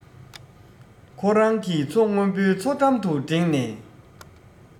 ཁོ རང གི མཚོ སྔོན པོའི མཚོ འགྲམ དུ འགྲེངས ནས